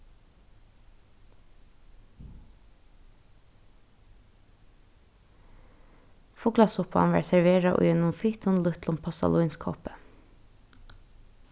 fuglasuppan varð serverað í einum fittum lítlum postalínskoppi